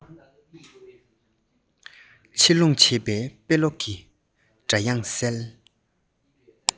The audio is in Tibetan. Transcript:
ཕྱི སྦྱོང བྱེད པའི དཔེ ཀློག གི སྒྲ དབྱངས གསལ